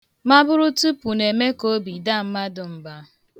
Maburutupụ na-eme ka obi daa mmadụ mba.